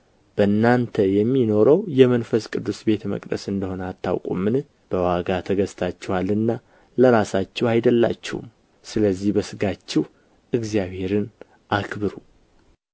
በእናንተ የሚኖረው የመንፈስ ቅዱስ ቤተ መቅደስ እንደ ሆነ አታውቁምን በዋጋ ተገዝታችኋልና ለራሳችሁ አይደላችሁም ስለዚህ በሥጋችሁ እግዚአብሔርን አክብሩ